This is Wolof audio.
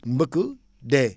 mbëkk dee